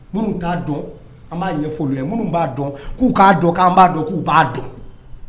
Mun t'a dɔn an b'a ɲɛfɔ olu ye minnu b'a dɔn k'u k'a dɔn k'an b'a dɔn k'u b'a dɔn